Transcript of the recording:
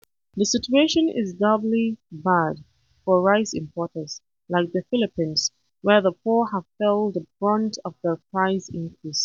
The situation is doubly bad for rice importers like the Philippines, where the poor have felt the brunt of the price increase.